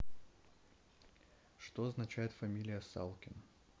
что означает фамилия салкина